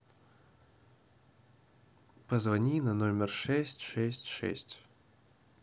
позвони на номер шесть шесть шесть